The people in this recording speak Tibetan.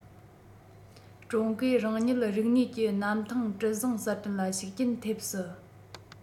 ཀྲུང གོས རང ཉིད རིག གནས ཀྱི གནམ ཐང གྲུ གཟིངས གསར སྐྲུན ལ ཤུགས རྐྱེན ཐེབས སྲིད